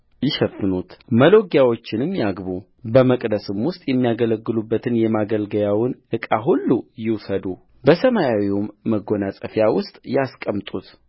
ይሸፍኑት መሎጊያዎቹንም ያግቡበመቅደስም ውስጥ የሚያገልግሉበትን የማገልገያውን ዕቃ ሁሉ ይውሰዱ በሰማያዊውም መጐናጸፊያ ውስጥ ያስቀምጡት